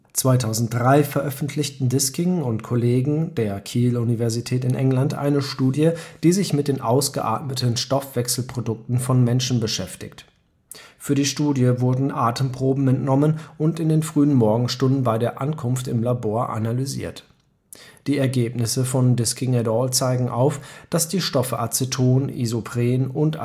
2003 veröffentlichen Diskin und Kollegen (Keele Universität, England) eine Studie, die sich mit den ausgeatmeten Stoffwechselprodukten von Menschen beschäftigt. Für die Studie wurden Atemproben entnommen und in den frühen Morgenstunden bei der Ankunft im Labor analysiert. Die Ergebnisse von Diskin et al. zeigen auf, dass die Stoffe Aceton, Isopren und Acetaldehyd